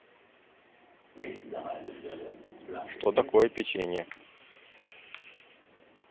что такое печенья